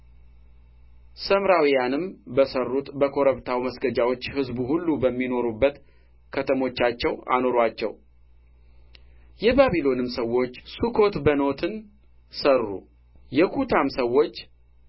ሰምራውያንም በሠሩት በኮረብታው መስገጃዎች ሕዝቡ ሁሉ በሚኖሩበት ከተሞቻቸው አኖሩአቸው የባቢሎንም ሰዎች ሱኮትበኖትን ሠሩ የኩታም ሰዎች